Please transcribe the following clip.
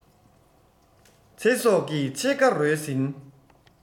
ཚེ སྲོག གི ཕྱེད ཀ རོལ ཟིན